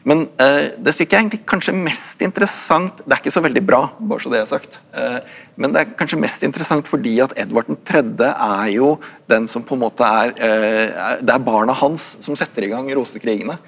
men det stykket er egentlig kanskje mest interessant det er ikke så veldig bra bare så det er sagt men det er kanskje mest interessant fordi at Edvard den tredje er jo den som på en måte er er det er barna hans som setter i gang Rosekrigene.